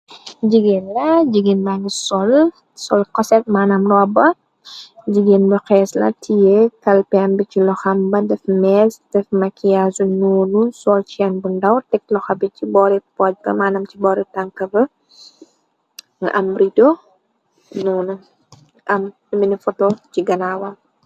Jigéen la jigeen bàngi sol koset maanam rooba jigéen ba xees la tie kalpem bi ci loxam ba def meez def makiazu ñounu sol cienn bu ndàw tek loxabi ci boori poj ba manam ci boori tankae am rido ñoona am omine foto ci ganawa.